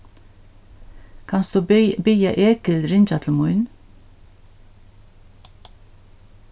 kanst tú biðja egil ringja til mín